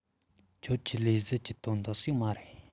ཁྱོད ཀྱི ལས བཟབ གི དོན དག ཅིག མ རེད